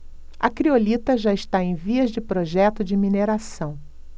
a criolita já está em vias de projeto de mineração